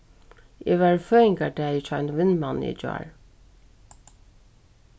eg var í føðingardegi hjá einum vinmanni í gjár